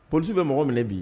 Police w be mɔgɔ minɛ bi